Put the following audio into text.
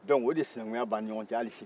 dɔnku o de sinankuya bann'i ɲɔgɔn cɛ hali sini